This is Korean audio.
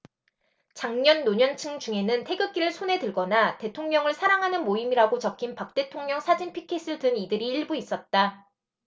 장년 노년층 중에는 태극기를 손에 들거나 대통령을 사랑하는 모임이라고 적힌 박 대통령 사진 피켓을 든 이들이 일부 있었다